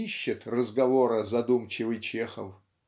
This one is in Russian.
ищет разговора задумчивый Чехов.